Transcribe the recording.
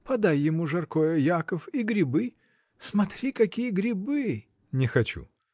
Подай ему жаркое, Яков, и грибы: смотри, какие грибы! — Не хочу!